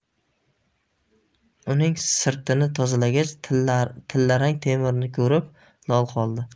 uning sirtini tozalagach tillarang temirni ko'rib lol qoldi